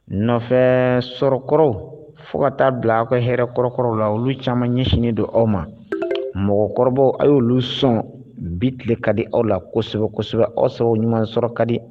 Nɔ nɔfɛ sɔrɔkɔrɔw fo ka taaa bila aw ka hɛrɛɛkɔrɔkɔrɔw la olu caman ɲɛsinnen don aw ma mɔgɔkɔrɔbabɔ a y'o lu sɔn bi tile ka di aw la kosɛbɛ kosɛbɛ aw sɔrɔ ɲuman sɔrɔ ka di